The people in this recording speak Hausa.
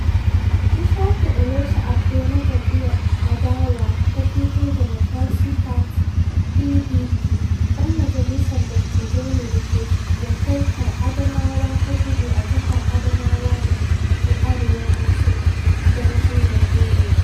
Ishaku Elisha Abbo na jam'iyyar adawa ta People's Democratic Party (PDP) ɗan majalisar dattijai ne da ke wakiltar Adamawa ta Kudu a jihar Adamawa da ke arewa maso gabashin Nijeriya.